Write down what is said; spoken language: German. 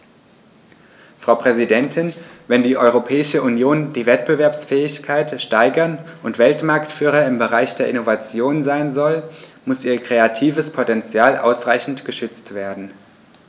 Frau Präsidentin, wenn die Europäische Union die Wettbewerbsfähigkeit steigern und Weltmarktführer im Bereich der Innovation sein soll, muss ihr kreatives Potential ausreichend geschützt werden.